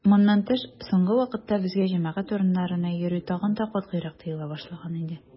Моннан тыш, соңгы вакытта безгә җәмәгать урыннарына йөрү тагын да катгыйрак тыела башлаган иде.